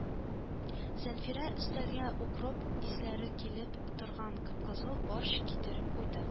Зәнфирә өстәлгә укроп исләре килеп торган кып-кызыл борщ китереп куйды.